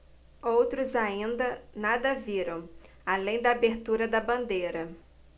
outros ainda nada viram além da abertura da bandeira